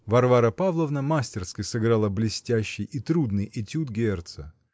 Варвара Павловна мастерски сыграла блестящий и трудный этюд Герца.